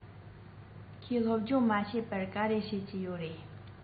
ཁོས སློབ སྦྱོང མ བྱས པར ག རེ བྱེད ཀྱི ཡོད རས